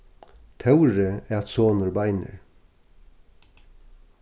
tóri æt sonur beinir